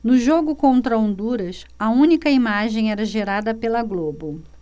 no jogo contra honduras a única imagem era gerada pela globo